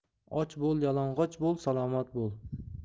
och bo'l yalang'och bo'l salomat bo'l